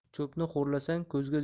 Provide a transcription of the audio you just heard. cho'pni xo'rlasang ko'zga